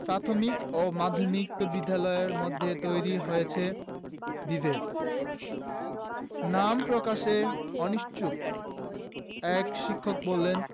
প্রাথমিক ও মাধ্যমিক বিদ্যালয়ের মধ্যে তৈরি হয়েছে বিভেদ নাম প্রকাশে অনিচ্ছুক এক শিক্ষক বললেন